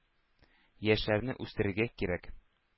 Яшьләрне үстерергә кирәк.